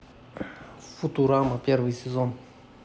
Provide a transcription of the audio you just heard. футурама первый сезон